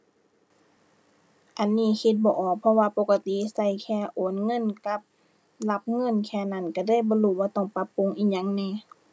อันนี้คิดบ่ออกเพราะว่าปกติใช้แค่โอนเงินกับรับเงินแค่นั้น ใช้เลยบ่รู้ว่าต้องปรับปรุงอิหยังแหน่